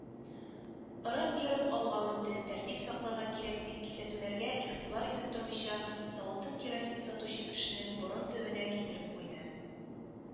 Ырып-ерып алга үтте, тәртип сакларга кирәк дип кисәтүләргә игътибар итеп тормыйча, савытын керосин сатучы кешенең борын төбенә китереп куйды